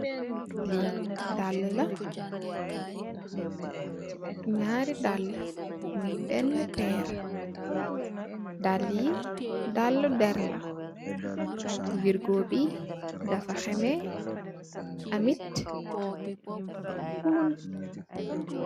Li daala la naari daala moi bena perr daali daali deer la wergo bi dafa hemex amit huun.